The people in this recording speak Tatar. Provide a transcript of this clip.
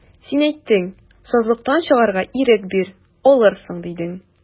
Син әйттең, сазлыктан чыгарга ирек бир, алырсың, дидең.